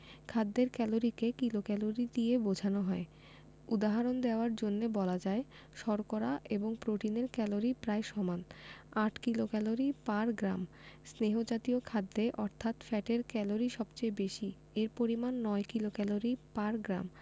খাদ্যের ক্যালরিকে কিলোক্যালরি দিয়ে বোঝানো হয় উদাহরণ দেয়ার জন্যে বলা যায় শর্করা এবং প্রোটিনের ক্যালরি প্রায় সমান ৮ কিলোক্যালরি পার গ্রাম স্নেহ জাতীয় খাদ্যে অর্থাৎ ফ্যাটের ক্যালরি সবচেয়ে বেশি এর পরিমান ৯ কিলোক্যালরি পার গ্রাম